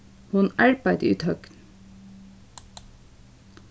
hon arbeiddi í tøgn